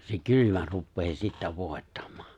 se kylmä rupeaa sitten voittamaan